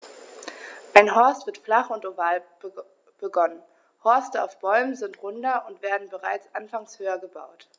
Ein Horst wird flach und oval begonnen, Horste auf Bäumen sind runder und werden bereits anfangs höher gebaut.